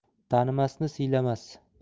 tanimasni siylamas